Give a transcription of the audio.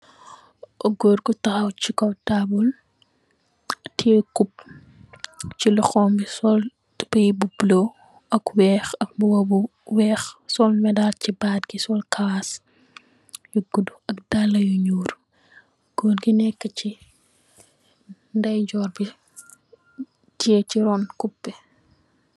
Goor bi taxaw si kaw tabul teye coop si loxom bi sol tubai bu bulu ak weex ak mbuba bu weex sol medal si baad bi sol kawas bu gudu ak dala yu nuul goor gi neka si ndeyejorr bi tiye si run coop bi.